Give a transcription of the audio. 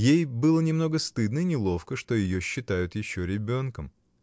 Ей было немного стыдно и неловко, что ее считают еще ребенком.